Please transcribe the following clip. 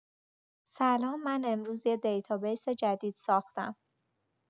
سلام من امروز یه دیتابیس جدید ساختم.